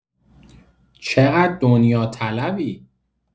چقد دنیاطلبی!